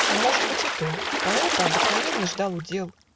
А может быть и то: поэта Обыкновенный ждал удел.